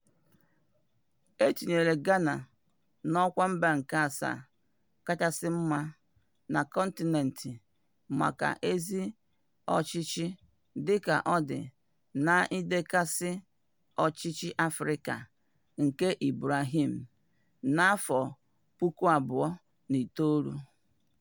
E tinyere Ghana n'ọkwa mba nke asaa kachasị mma na kọntịnentị maka ezi ọchịchị dị ka ọ dị na Ịndekịsị Ọchịchị Afrịka nke Ibrahim na 2009.